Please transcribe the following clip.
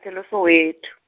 e- Soweto.